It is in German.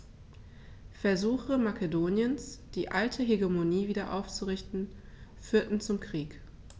Versuche Makedoniens, die alte Hegemonie wieder aufzurichten, führten zum Krieg.